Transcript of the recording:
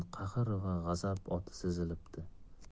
qahr va g'azab o'ti sezilibdi